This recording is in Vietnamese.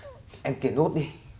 em kể nốt đi